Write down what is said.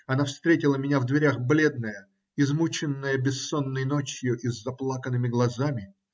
Она встретила меня в дверях бледная, измученная бессонной ночью и с заплаканными глазами.